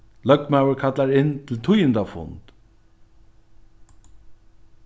løgmaður kallar inn til tíðindafund